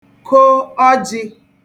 ko ọjị̄